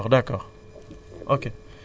waaw fan la nekk si Louga